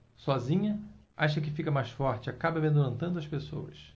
sozinha acha que fica mais forte e acaba amedrontando as pessoas